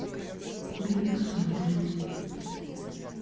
бинг смотреть